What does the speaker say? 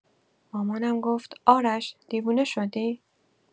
مامانم گفت «آرش دیوونه شدی؟»